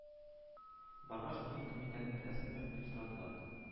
Баргач, моның кем икәнен беләсеңме, дип сорадылар